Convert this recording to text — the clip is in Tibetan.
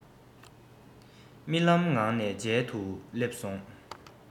རྨི ལམ ངང ནས མཇལ དུས སླེབས སོང